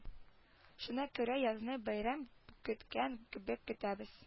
Шуңа күрә язны бәйрәм көткән кебек көтәбез